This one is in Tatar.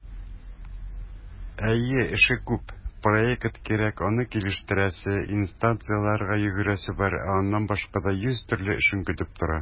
Әйе, эше күп - проект кирәк, аны килештерәсе, инстанцияләргә йөгерәсе бар, ә аннан башка да йөз төрле эшең көтеп тора.